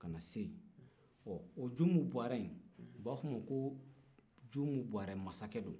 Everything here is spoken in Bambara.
ka na se ɔ o jumu bɔrɛ in o b'a fɔ a ma ko jumu bɔrɛ masakɛ do